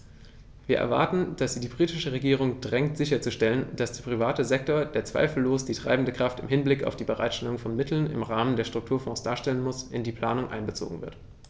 Wir erwarten, dass sie die britische Regierung drängt sicherzustellen, dass der private Sektor, der zweifellos die treibende Kraft im Hinblick auf die Bereitstellung von Mitteln im Rahmen der Strukturfonds darstellen muss, in die Planung einbezogen wird.